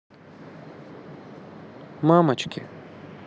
мамочки